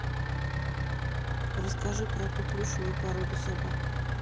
расскажи про ту плюшевую породу собак